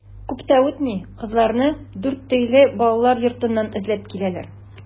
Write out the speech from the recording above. Күп тә үтми кызларны Дүртөйле балалар йортыннан эзләп киләләр.